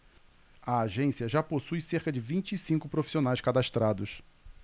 a agência já possui cerca de vinte e cinco profissionais cadastrados